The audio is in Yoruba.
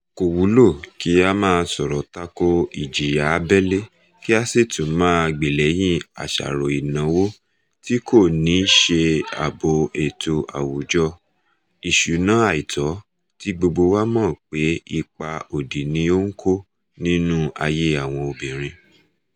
Kò wúlò kí a máa sọ̀rọ̀ tako ìjìyà abẹ́lé kí a sì tún máa gbèlẹ́yìn àṣàrò ìnáwó tí kò ní ṣe ààbò ètò àwùjọ, ìṣúná àìtó tí gbogbo wa mọ̀ pé ipa òdì ni ó ń kó nínú ayé àwọn obìnrin.